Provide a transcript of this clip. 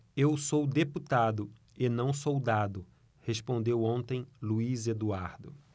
eu sou deputado e não soldado respondeu ontem luís eduardo